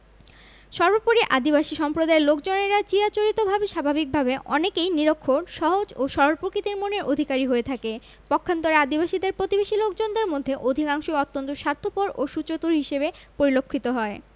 সর্বপরি আদিবাসী সম্প্রদায়ের লোকজনেরা চিরাচরিতভাবে স্বাভাবিকভাবে অনেকেই নিরক্ষর সহজ ও সরল প্রকৃতির মনের অধিকারী হয়ে থাকে পক্ষান্তরে আদিবাসীদের প্রতিবেশী লোকজনদের মধ্যে অধিকাংশই অত্যন্ত স্বার্থপর ও সুচতুর হিসেবে পরিলক্ষিত হয়